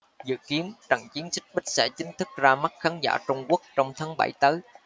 dự kiến trận chiến xích bích sẽ chính thức ra mắt khán giả trung quốc trong tháng bảy tới